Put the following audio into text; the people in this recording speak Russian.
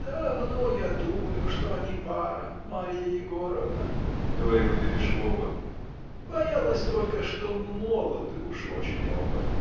— Давно я думаю, что они — пара, Марья Егоровна, — говорила Бережкова, — боялась только, что молоды уж очень оба.